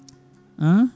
an